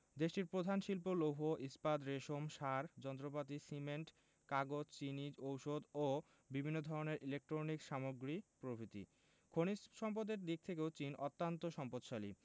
দেশটির প্রধান শিল্প লৌহ ইস্পাত রেশম সার যন্ত্রপাতি সিমেন্ট কাগজ চিনি ঔষধ ও বিভিন্ন ধরনের ইলেকট্রনিক্স সামগ্রী প্রভ্রিতি খনিজ সম্পদের দিক থেকেও চীন অত্যান্ত সম্পদশালী